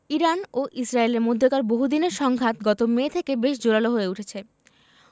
Iran ও ইসরায়েলের মধ্যকার বহুদিনের সংঘাত গত মে থেকে বেশ জোরালো হয়ে উঠেছে